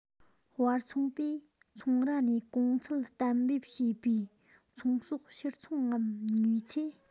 བར ཚོང པས ཚོང ར ནས གོང ཚད གཏན འབེབས བྱས པའི ཚོང ཟོག ཕྱིར འཚོང ངམ ཉོས ཚེ